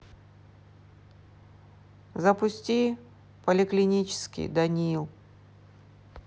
запусти поликлинический данил